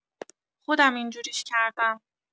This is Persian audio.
خودم اینجوریش کردم.